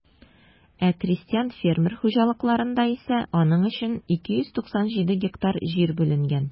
Ә крестьян-фермер хуҗалыкларында исә аның өчен 297 гектар җир бүленгән.